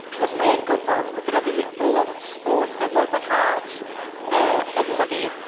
Achos mae e'n gwbod bod gyda fi lot o dyfalbarhad yy ynddo fi.